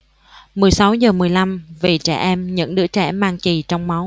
mười sáu giờ mười lăm vì trẻ em những đứa trẻ mang chì trong máu